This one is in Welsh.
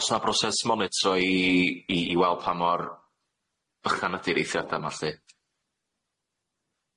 O's na broses monitro i i i weld pa mor bychan ydi'r eithriada ma' lly?